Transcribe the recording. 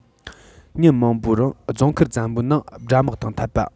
ཉིན མང པོའི རིང རྫོང མཁར བཙན པོའི ནང དགྲ དམག དང འཐབས པ